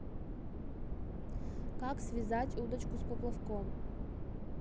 как связать удочку с поплавком